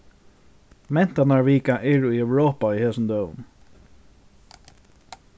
mentanarvika er í europa í hesum døgum